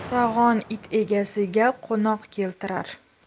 hurag'on it egasiga qo'noq keltirar